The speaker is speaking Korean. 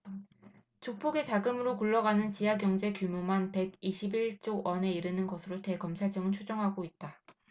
조폭의 자금으로 굴러가는 지하경제 규모만 백 이십 일 조원에 이르는 것으로 대검찰청은 추정하고 있다